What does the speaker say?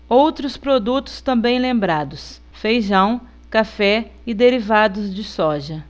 outros produtos também lembrados feijão café e derivados de soja